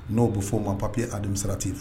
N'o be f'ɔ ma papier administratif